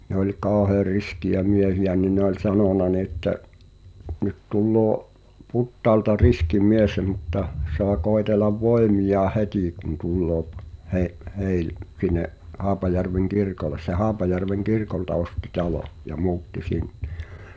ne oli kauhean riskejä miehiä niin ne oli sanonut niin että nyt tulee Putaalta riski mies mutta saa koetella voimiaan heti kun tulee --- sinne Haapajärven kirkolle se Haapajärven kirkolta osti talon ja muutti sinne